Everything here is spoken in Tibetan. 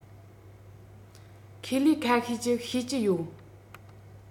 ཁེ ལས ཁ ཤས ཀྱིས བཤས ཀྱི ཡོད